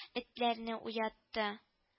Этләрне уятты